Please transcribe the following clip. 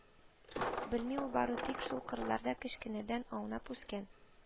Белми, ул бары тик шул кырларда кечкенәдән аунап үскән